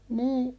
niin